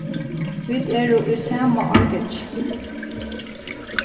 vit eru í sama árgangi